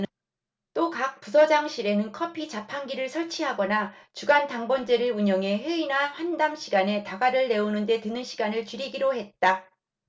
또 각 부서장실에는 커피자판기를 설치하거나 주간 당번제를 운영해 회의나 환담 시간에 다과를 내오는 데 드는 시간을 줄이기로 했다